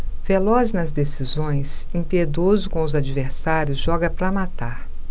veloz nas decisões impiedoso com os adversários joga para matar